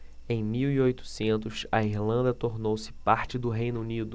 em mil e oitocentos a irlanda tornou-se parte do reino unido